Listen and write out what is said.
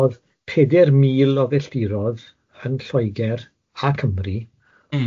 ...odd pedair mil o filltirodd yn Lloegr a Cymru... M-hm.